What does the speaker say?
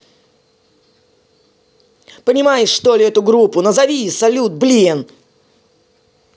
понимаешь что ли эту группу назови салют блин